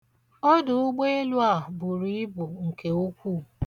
Ọdụụgbeelụ a buru ibu nke ukwu.